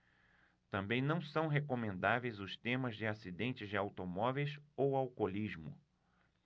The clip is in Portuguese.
também não são recomendáveis os temas de acidentes de automóveis ou alcoolismo